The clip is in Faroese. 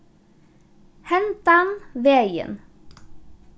hendan vegin